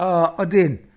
O, odyn.